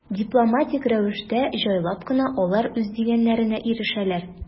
Дипломатик рәвештә, җайлап кына алар үз дигәннәренә ирешәләр.